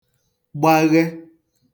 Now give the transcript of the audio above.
gbaghe